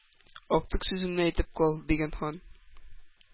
Актык сүзеңне әйтеп кал,— дигән хан.